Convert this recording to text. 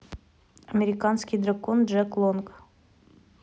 американский дракон джек лонг